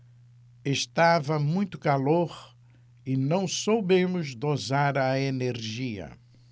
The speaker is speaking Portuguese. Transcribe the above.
estava muito calor e não soubemos dosar a energia